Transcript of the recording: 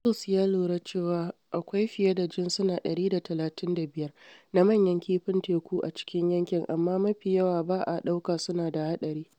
Giles ya lura cewa akwai fiye da jinsuna 135 na manyan kifin teku a cikin yankin, amma mafi yawa ba a ɗauka suna da haɗari.